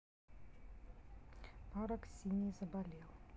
парок синий заболел